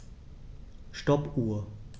Stoppuhr.